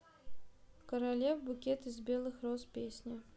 королев букет из белых роз песня